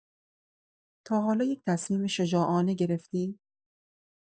تا حالا یه تصمیم شجاعانه گرفتی؟